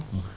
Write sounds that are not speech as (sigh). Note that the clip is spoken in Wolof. (hesitation) (hesitation)